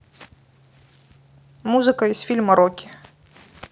музыка из фильма рокки